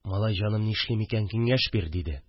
– малай җаным, нишлим, киңәш бир, – диде